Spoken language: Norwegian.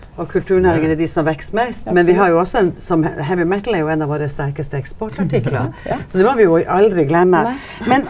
og kulturnæringa er dei som veks mest, men vi har jo også ein som heavy metal er jo ein av våre sterkaste eksportartiklar, så det må vi jo aldri gløyma men.